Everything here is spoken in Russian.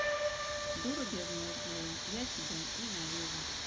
дура безмозглая я тебя ненавижу